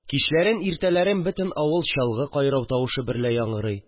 Кичләрен, иртәләрен бөтен авыл чалгы кайрау тавышы берлә яңгырый